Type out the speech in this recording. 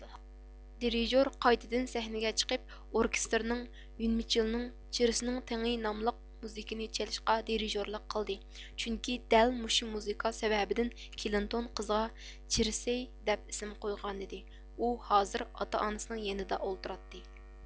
دىرىژور قايتىدىن سەھنىگە چىقىپ ئوركېستىرنىڭ يۈنمىچلنىڭ چىرىسنىڭ تېڭى ناملىق مۇزىكىنى چېلىشىغا دىرىژورلۇق قىلدى چۈنكى دەل مۇشۇ مۇزىكا سەۋەبىدىن كلىنتون قىزىغا چىرسىي دەپ ئىسىم قويغانىدى ئۇ ھازىر ئاتا ئانىسىنىڭ يېنىدا ئولتۇراتتى